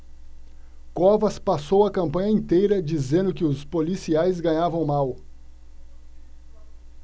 covas passou a campanha inteira dizendo que os policiais ganhavam mal